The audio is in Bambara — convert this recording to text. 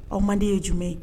Aw man ye jumɛn ye